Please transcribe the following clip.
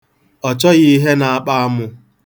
Ọ chọghị ihe na-akpa amụ.